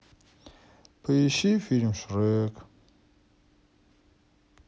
поищи фильм шрек